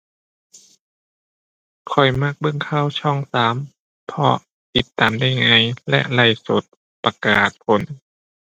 ข้อยมักเบิ่งข่าวช่องสาม เพราะติดตามได้ง่ายและไลฟ์สด ประกาศผล